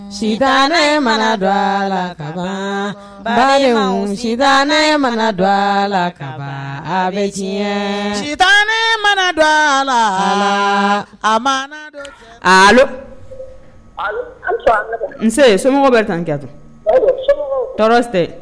Si ne mana dɔ a la balima si ne mana dɔ a la ka bɛ diɲɛ sita ne mana dɔ a la a mana don nse somɔgɔw bɛ tan kɛto tɔɔrɔ tɛ